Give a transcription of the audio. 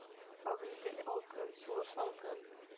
-“агыйдел алкын, суы салкын...